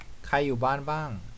ใครอยู่บ้านบ้าง